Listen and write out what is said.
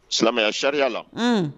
Silamɛya sariya la, unhun